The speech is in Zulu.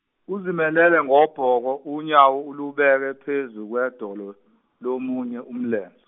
uzimelele ngobhoko unyawo ulubeke phezu kwedolo lomunye umulenze.